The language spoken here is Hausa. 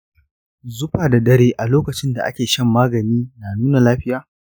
zufa da dare a lokacin da ake shan magani na nuna lafiya?